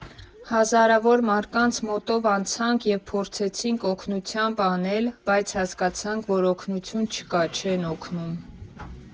Հազարավոր մարդկանց մոտով անցանք և փորձեցինք օգնությամբ անել, բայց հասկացանք, որ օգնություն չկա, չեն օգնում։